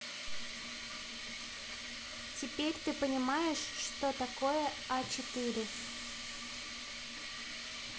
ты теперь понимаешь что такое а четыре